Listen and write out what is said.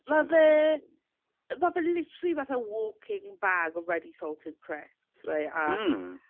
Ma' fe... ma' fe literally fatha walking bag of ready salted crisps reit, a... Mm!